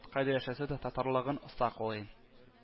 Кайда яшәсә дә, татарлыгын осаклый